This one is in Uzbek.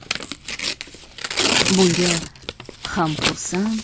bunga ham xursand